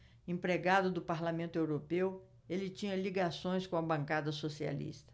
empregado do parlamento europeu ele tinha ligações com a bancada socialista